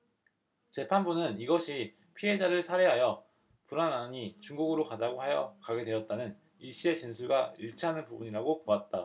재판부는 이것이 피해자를 살해하여 불안하니 중국으로 가자고 하여 가게 되었다는 이씨의 진술과 일치하는 부분이라고 보았다